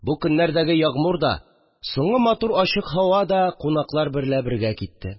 Бу көннәрдәге ягъмур да, соңгы матур ачык һава да кунаклар берлә бергә китте